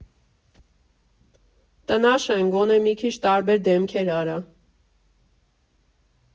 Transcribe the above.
֊ Տնաշեն, գոնե մի քիչ տարբեր դեմքեր արա։